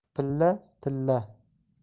pilla tilla